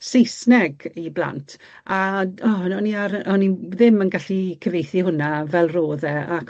Saesneg i blant ag o, o'n i ar- o'n i ddim yn gallu cyfieithu hwnna fel ro'dd e, ac